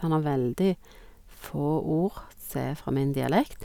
Han har veldig få ord som er fra min dialekt.